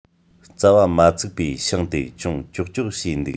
རྩ བ མ ཚུགས པའི ཤིང དེ ཅུང ཀྱོག ཀྱོག བྱས འདུག